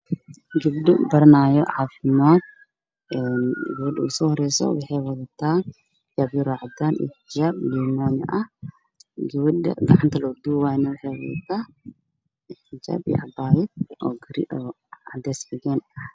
Gabdho baranaayo cafimaad gabadha usoo horeyo waxa ay wadataa dirac gaduud ah iyo xijaab cadaan ah